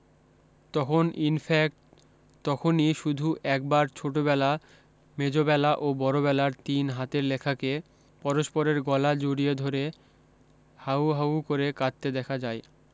তখন ইনফ্যাক্ট তখনি শুধু একবার ছোটোবেলা মেজোবেলা ও বড়বেলার তিন হাতের লেখাকে পরস্পরের গলা জড়িয়ে ধরে হাউ হাউ করে কাঁদতে দেখা যায়